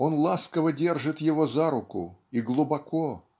он ласково держит его за руку и глубоко